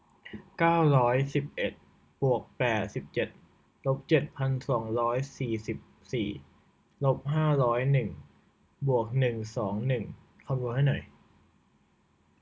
เก้าร้อยสิบเอ็ดบวกแปดสิบเจ็ดลบเจ็ดพันสองร้อยสี่สิบสี่ลบห้าร้อยหนึ่งบวกหนึ่งสองหนึ่งคำนวณให้หน่อย